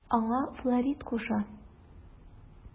Аңа Флорид кушыла.